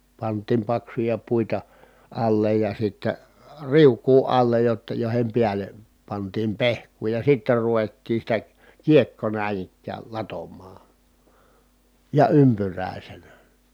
pantiin paksuja puita alle ja sitten riukua alle jotta joiden päälle pantiin pehkua ja sitten ruvettiin sitä kiekkoa näin ikään latomaan ja ympyräisenä